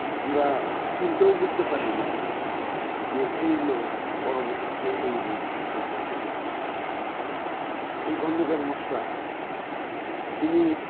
আমরা চিন্তাও করতে পারি নাই যে এই লোক পরবর্তীতে এই রূপ ধারণ করতে পারে এই খন্দকার মোশতাক ইনি